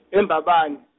eMbabane.